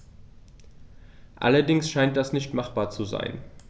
Allerdings scheint das nicht machbar zu sein.